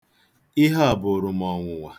Ihe a bụụrụ m ọnwụnwa.